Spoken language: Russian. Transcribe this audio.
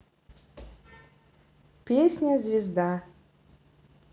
песня звезда